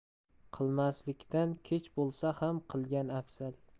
qilmaslikdan kech bo'lsa ham qilgan afzal